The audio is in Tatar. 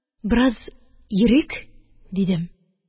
Бераз йөрик! – дидем